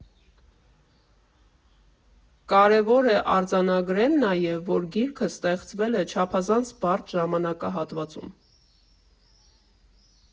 Կարևոր է արձանագրել նաև, որ գիրքը ստեղծվել է չափազանց բարդ ժամանակահատվածում.